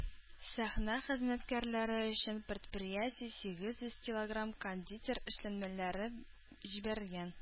Сәхнә хезмәткәрләре өчен предприятие сигез йөз килограмм кондитер эшләнмәләре җибәргән.